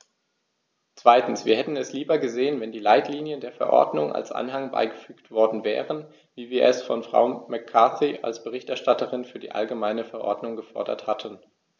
Zweitens: Wir hätten es lieber gesehen, wenn die Leitlinien der Verordnung als Anhang beigefügt worden wären, wie wir es von Frau McCarthy als Berichterstatterin für die allgemeine Verordnung gefordert hatten.